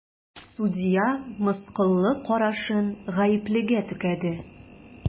Судья мыскыллы карашын гаеплегә текәде.